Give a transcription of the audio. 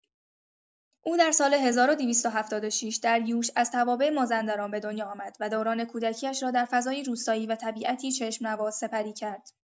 او در سال ۱۲۷۶ در یوش از توابع مازندران به دنیا آمد و دوران کودکی‌اش را در فضایی روستایی و طبیعتی چشم‌نواز سپری کرد.